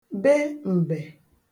be m̀bè